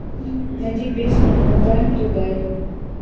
найди песню ноу тайм ту дай